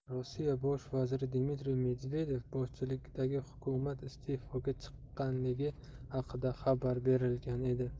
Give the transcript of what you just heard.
rossiya bosh vaziri dmitriy medvedev boshchiligdagi hukumat iste'foga chiqqanligi haqida xabar berilgan edi